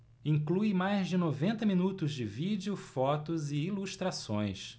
inclui mais de noventa minutos de vídeo fotos e ilustrações